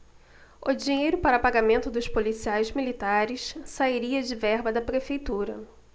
o dinheiro para pagamento dos policiais militares sairia de verba da prefeitura